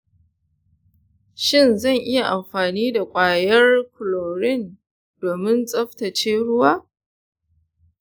shin zan iya amfani da ƙwayar chlorine domin tsaftace ruwa?